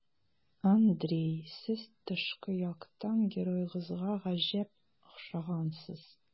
Андрей, сез тышкы яктан героегызга гаҗәп охшагансыз.